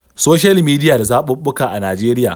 Soshiyal midiya da zaɓuɓɓuka a Najeriya